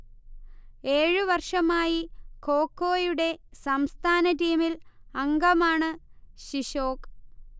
ഏഴു വർഷമായി ഖോഖൊയുടെ സംസ്ഥാന ടീമിൽ അംഗമാണു ശിശോക്